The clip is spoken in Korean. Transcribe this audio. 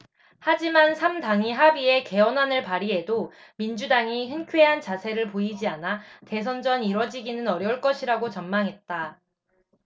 하지만 삼 당이 합의해 개헌안을 발의해도 민주당이 흔쾌한 자세를 보이지 않아 대선 전 이뤄지기는 어려울 것이라고 전망했다